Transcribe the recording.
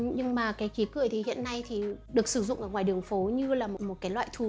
nhưng mà ngày nay khí cười được sử dụng ngoài đường phố như một thú vui